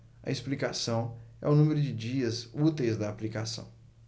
a explicação é o número de dias úteis da aplicação